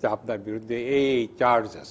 যে আপনার বিরুদ্ধে এই এই চার্জ আছে